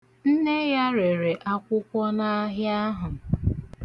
Nne ya rere akwụkwọ n'ahịa ahụ.